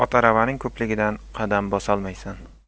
aravaning ko'pligidan qadam bosolmaysan